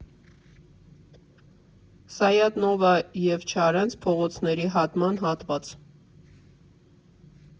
Սայաթ֊Նովա և Չարենց փողոցների հատման հատված։